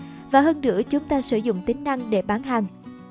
và hơn nữa chúng ta sử dụng tính năng để bán hàng